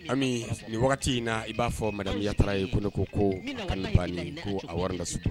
Ami nin wagati in na i b'a fɔ mamu yara ye ko ne ko ko kafa ko a wari ka sutu